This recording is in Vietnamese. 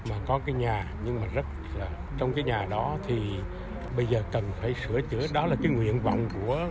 mà có cái nhà nhưng mà rất là trong cái nhà đó thì bây giờ cần phải sửa chữa đó là cái nguyện vọng của